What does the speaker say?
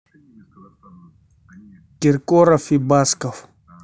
киркоров и басков